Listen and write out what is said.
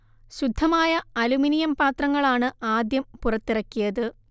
ശുദ്ധമായ അലുമിനിയം പാത്രങ്ങളാണ് ആദ്യം പുറത്തിറക്കിയത്